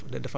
ok